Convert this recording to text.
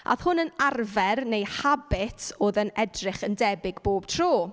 Oedd hwn yn arfer neu habit oedd yn edrych yn debyg bob tro.